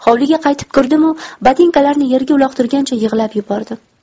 hovliga qaytib kirdimu botinkalarni yerga uloqtirgancha yig'lab yubordim